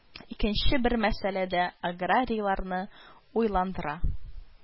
Икенче бер мәсьәләдә аграрийларны уйландыра